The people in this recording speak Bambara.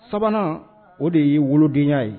Sabanan o de y ye wolodya ye